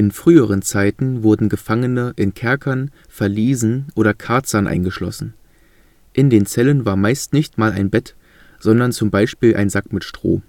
früheren Zeiten wurden Gefangene in Kerkern, Verliesen oder Karzern eingeschlossen. In den Zellen war meist nicht mal ein Bett, sondern nur zum Beispiel ein Sack mit Stroh